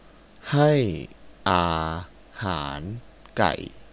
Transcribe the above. ให้อาหารไก่